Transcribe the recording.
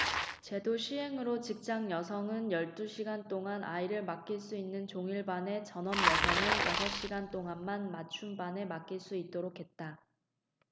제도 시행으로 직장여성은 열 두 시간 동안 아이를 맡길 수 있는 종일반에 전업여성은 여섯 시간 동안만 맞춤반에 맡길 수 있도록 했다